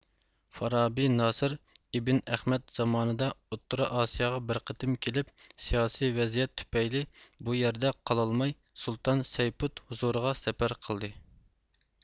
فارابى ناسىر ئىبن ئەخمەت زامانىدا ئوتتۇرا ئاسىياغا بىر قېتىم كىلىپ سىياسى ۋەزىيەت تۈپەيلى بۇ يەردە قالالماي سۇلتان سەيپۇد ھۇزۇرىغا سەپەر قىلدى